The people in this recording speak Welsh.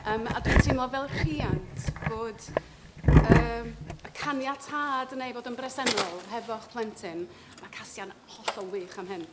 yym a dwi'n teimlo fel rhiant bod yym y caniatâd yna i fod yn bresennol hefo'ch plentyn, ma' Casia' hollol wych am hyn.